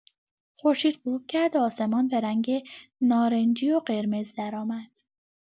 خورشید غروب کرد و آسمان به رنگ نارنجی و قرمز درآمد.